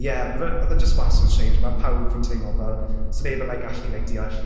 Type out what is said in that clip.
ie, ma' fe odd e jyst wastad yn strange ma' pawb fi'n teimlo fel 'sa neb yn like gallu like deall